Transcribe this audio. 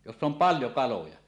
jossa on paljon kaloja